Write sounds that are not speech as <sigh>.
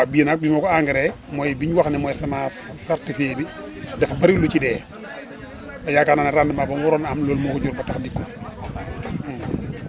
waaw bii nag bi ma ko engrais mooy bi ñu wax ne mooy semence certifiée bi <crosstalk> dafa bëri lu ci dee <crosstalk> te yaakaar naa ne rendement ba mu waroon a am loolu moo ko jur ba tax dikkut <crosstalk> <hesitation>